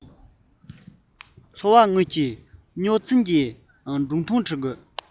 འཚོ བ དངོས ཀྱི སྙོག འཛིང ལ ཞིབ འདང ཐེབས ངེས ཀྱི སྒྲུང ཐུང བྲིས དང